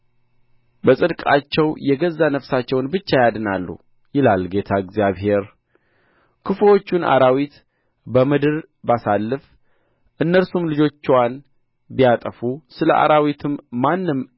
በጽድቃቸው የገዛ ነፍሳቸውን ብቻ ያድናሉ ይላል ጌታ እግዚአብሔር ክፉዎቹን አራዊት በምድር ባሳልፍ እነርሱም ልጆችዋን ቢያጠፉ ስለ አራዊትም ማንም